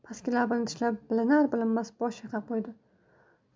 pastki labini tishlab bilinar bilinmas bosh chayqab qo'ydi